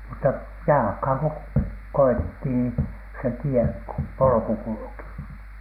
mutta jalkaan kun koetti niin se tie polku kulki